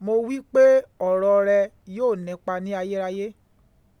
Mo wí pé ọ̀rọ̀ rẹ yóò nípa ní ayérayé